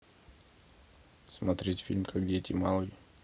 смотреть фильм как дети малые